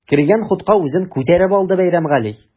Кергән хутка үзен күтәреп алды Бәйрәмгали.